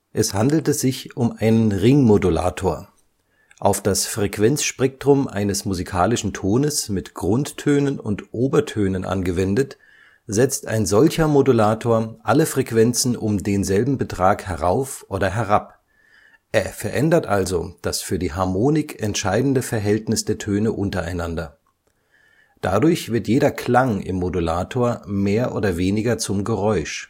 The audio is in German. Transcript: Es handelte sich um einen Ringmodulator. Auf das Frequenzspektrum eines musikalischen Tones mit Grund - und Obertönen angewendet, setzt ein solcher Modulator alle Frequenzen um denselben Betrag herauf oder herab, er verändert also das für die Harmonik entscheidende Verhältnis der Töne untereinander. Dadurch wird jeder Klang im Modulator mehr oder weniger zum Geräusch